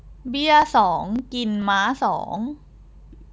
เบี้ยสองกินม้าสอง